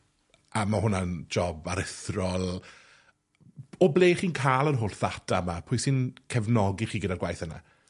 A ma' hwnna'n job aruthrol, o ble chi'n ca'l yr holl ddata yma, pwy sy'n cefnogi chi gyda'r gwaith yna?